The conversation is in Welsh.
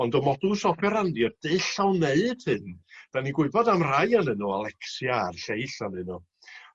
Ond y Modws Operandi yr dyll o wneud hyn 'dan ni'n gwybod am rai o'nyn n'w Alexia a'r lleill o'nyn n'w